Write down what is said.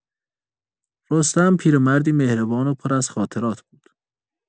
رستم پیرمردی مهربان و پر از خاطرات بود.